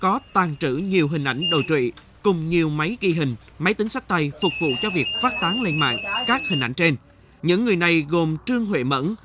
có tàng trữ nhiều hình ảnh đồi trụy cùng nhiều máy ghi hình máy tính xách tay phục vụ cho việc phát tán lên mạng các hình ảnh trên những người này gồm trương huệ mẫn